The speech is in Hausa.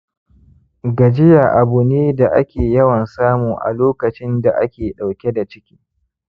gajiya abu ne da ake yawan samu a lokacin da ake dauke da ciki.